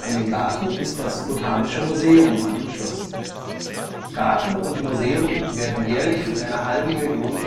den Garten ist das „ Botanische Museum “angeschlossen. Garten und Museum werden jährlich von einer halben Million